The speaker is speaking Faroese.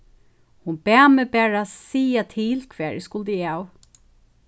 hon bað meg bara siga til hvar eg skuldi av